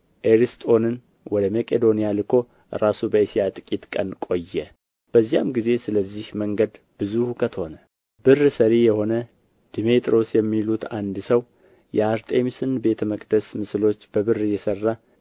ኤርስጦንን ወደ መቄዶንያ ልኮ ራሱ በእስያ ጥቂት ቀን ቆየ በዚያም ጊዜ ስለዚህ መንገድ ብዙ ሁከት ሆነ ብር ሠሪ የሆነ ድሜጥሮስ የሚሉት አንድ ሰው የአርጤምስን ቤተ መቅደስ ምስሎች በብር እየሠራ